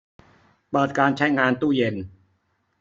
เปิดการใช้งานตู้เย็น